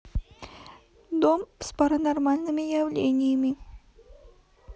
дом с паранормальными явлениями